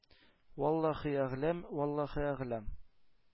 -валлаһи әгълам, валлаһи әгълам.